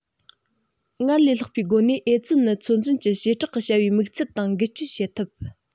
སྔར ལས ལྷག པའི སྒོ ནས ཨེ ཙི ནད ཚོད འཛིན གྱི བྱེ བྲག གི བྱ བའི དམིགས ཚད དང འགུལ སྐྱོད བྱེད ཐབས